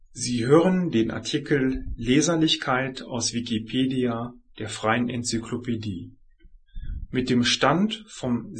Sie hören den Artikel Leserlichkeit, aus Wikipedia, der freien Enzyklopädie. Mit dem Stand vom